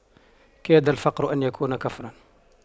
كاد الفقر أن يكون كفراً